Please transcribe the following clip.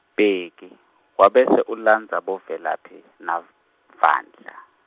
Bheki, wabese ulandza boVelaphi, nav- -Vandla.